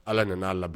Ala nana'a labɛnbi